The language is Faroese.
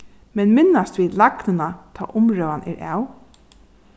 men minnast vit lagnuna tá umrøðan er av